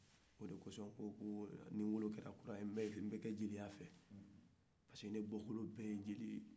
o de kɔsɔ nko ko ne wolo kɛra kura ye nbɛ kɛ jeliya fe parceque ne bɔkolo bɛɛ ye jeli ye